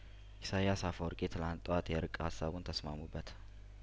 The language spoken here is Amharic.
ኢሳያስ አፈ ወርቄ ትላንት ጧት የእርቅ ሀሳቡን ተስማሙበት